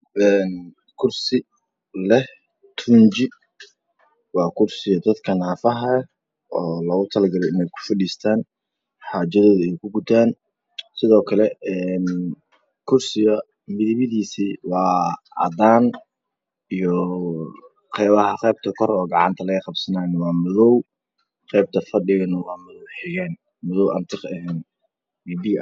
Een kursi leh rinji wa kursi dadka nafaha oo lagu talgalay inay ku fadhistan xajadoda ay kugutan sidokale een kursiga Limidisi waa cadan iyo qebaha Qebta kor Oogacanta laga Qabsanayo wa madow Qebta fadhiga waa madow xigen madow an tiqahen biyobyioeh